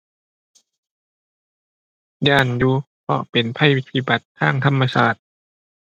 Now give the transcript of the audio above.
ย้านอยู่ เพราะเป็นภัยพิบัติทางธรรมชาติ